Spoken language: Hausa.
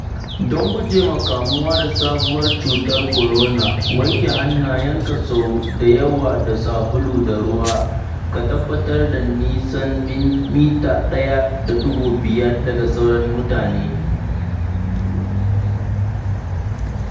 Don gujewa kamuwa da sabuwar cutar korona, wanke hannayenka sau da yawa da sabulu da ruwa, ka tabbatar da nisan mita 1.5 daga sauran mutane.